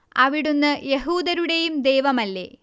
അവിടുന്ന് യഹൂദേതരരുടേയും ദൈവമല്ലേ